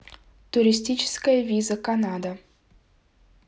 туристическая виза канада